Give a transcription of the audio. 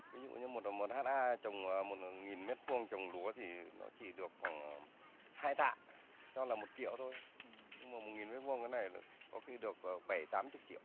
ví dụ như một đồng một hắt a trồng một nghìn mét vuông trồng lúa thì nó chỉ được khoảng hai tạ cho là một triệu thôi nhưng mà một nghìn mét vuông cái này có khi được bảy tám chục triệu